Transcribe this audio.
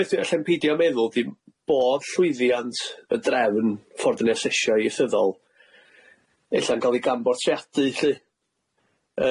yr unig beth allai'm peidio meddwl di bod llwyddiant y drefn fford da ni'n asesio ieithyddol e'lla'n ca'l ei gamportreadu lly.